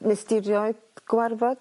Nesdi rioed gwarfod...